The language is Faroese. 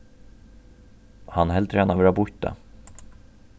hann heldur hana vera býtta